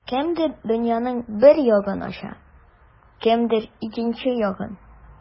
Кемдер дөньяның бер ягын ача, кемдер икенче ягын.